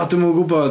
O, dwi'm yn gwybod.